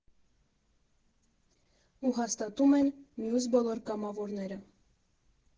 Ու հաստատում են մյուս բոլոր կամավորները։